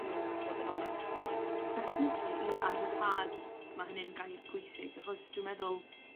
drw' fod yn onast yndoe. Definitely ia a rhyddhad ma' hynny'n gair pwysig achos dwi'n meddwl